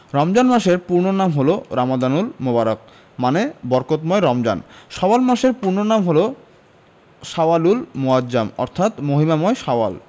রমজান মাসের পূর্ণ নাম হলো রমাদানুল মোবারক মানে বরকতময় রমজান শাওয়াল মাসের পূর্ণ নাম হলো শাওয়ালুল মুআজ্জম অর্থাৎ মহিমাময় শাওয়াল